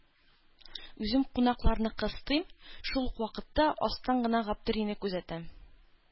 Үзем кунакларны кыстыйм, шул ук вакытта астан гына Гаптерине күзәтәм.